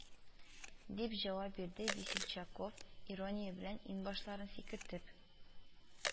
Дип җавап бирде весельчаков, ирония белән иңбашларын сикертеп